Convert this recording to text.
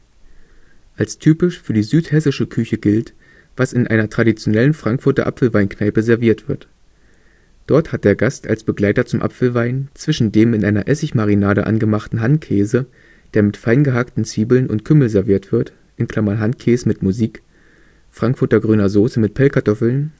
typisch für die südhessische Küche gilt, was in einer traditionellen Frankfurter Apfelweinkneipe serviert wird. Dort hat der Gast als Begleiter zum Apfelwein die Auswahl zwischen dem in einer Essigmarinade angemachten Handkäse, der mit feingehackten Zwiebeln und Kümmel serviert wird („ Handkäs mit Musik “), Frankfurter Grüner Soße mit Pellkartoffeln